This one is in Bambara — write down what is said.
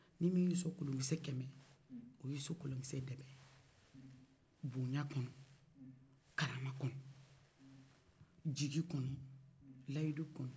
ni min y'i sɔn kolokisɛ kɛmɛ o b'i sɔn kolokisɛ dɛbɛ bonya kɔnɔ karama kɔkɔ jigi kɔnɔ layidu kɔnɔ